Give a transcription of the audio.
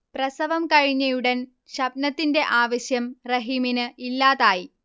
പ്രസവം കഴിഞ്ഞയുടൻ ഷബ്നത്തിന്റെ ആവശ്യം റഹീമിന് ഇല്ലാതായി